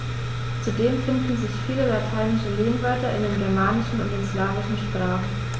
Zudem finden sich viele lateinische Lehnwörter in den germanischen und den slawischen Sprachen.